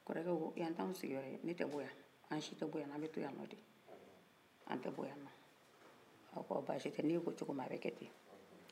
kɔrɔkɛ ko yan t'an siginyɔrɔ ye ne tɛ bɔyan an si tɛ bɔyan an b'i to yan de an tɛ bɔyan u ko basitɛ n'e ko coko min a bɛkɛ ten de